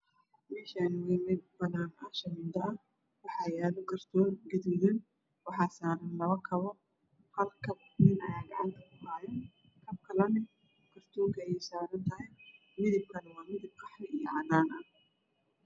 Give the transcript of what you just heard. Meeshaan waa meel banaan ah shamiito ah waxaa yaal kartoon gaduudan waxaa saaran labo kabo. Hal kab nin ayaa gacanta kuhaayo kab kalana kartoonka ayay saaran tahay midab kana waa qaxwi iyo cadaan.